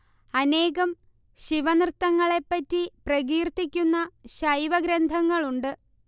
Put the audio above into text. അനേകം ശിവനൃത്തങ്ങളെപ്പറ്റി പ്രകീർത്തിക്കുന്ന ശൈവഗ്രന്ഥങ്ങളുണ്ട്